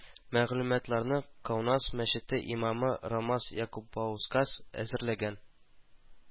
Мәгълүматларны Каунас мәчете имамы Ромас Якубаускас әзерләгән